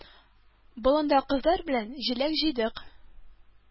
Болында кызлар белән җиләк җыйдык.